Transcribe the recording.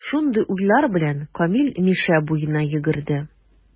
Шундый уйлар белән, Камил Мишә буена йөгерде.